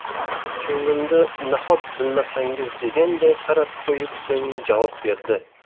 chuvrindi nahot bilmasangiz deganday qarab qo'yib so'ng javob berdi